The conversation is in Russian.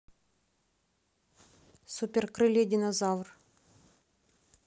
супер крылья динозавр